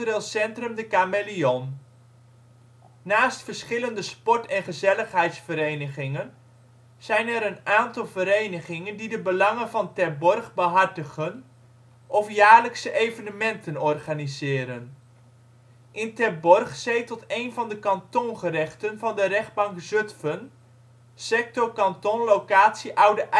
centrum De Kameleon. Naast verschillende sport - en gezelligheidsverenigingen zijn er een aantal verenigingen die de belangen van Terborg behartigen of jaarlijkse evenementen organiseren. In Terborg zetelt een van de Kantongerechten van de Rechtbank Zutphen: Sector Kanton Locatie Oude IJsselstreek